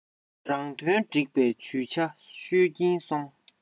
རང དོན སྒྲིག པའི ཇུས ཆ ཤོད ཀྱིན སོང